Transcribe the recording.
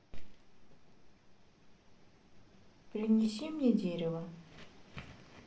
принеси мне дерево